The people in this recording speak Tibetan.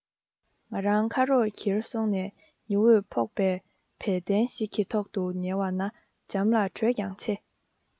ང རང ཁ རོག གེར སོང ནས ཉི འོད ཕོག པའི བལ གདན ཞིག གི ཐོག ཏུ ཉལ བ ན འཇམ ལ དྲོད ཀྱང ཆེ